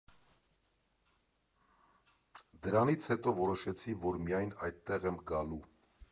Դրանից հետո որոշեցի, որ միայն այդտեղ եմ գալու։